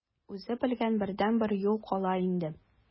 Үзе белгән бердәнбер юл кала инде.